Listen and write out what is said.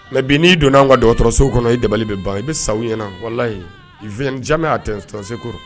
Mɛ bi n'i donna'anw ka dɔgɔtɔrɔso kɔnɔ i dabali bɛ ban i bɛ sa ɲɛna wala yen vja' tɛ sonsekɔrɔ